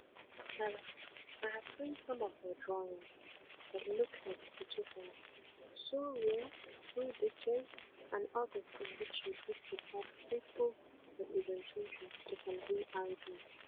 LM: I have seen some of your drawings that look like photographs, so real, so detailed … and others in which you break with that faithful representation to convey ideas.